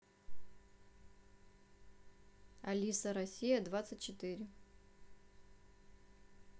алиса россия двадцать четыре